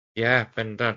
Ie bendant.